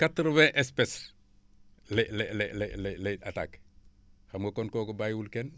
quatre vingt espèces lay lay lay lay lay lay attaqué xam nga kon kooku bàyyiwul kenn